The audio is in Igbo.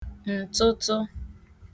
ǹtụtụ